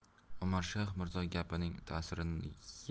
umarshayx mirzo gapining tasirini